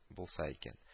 Булса икән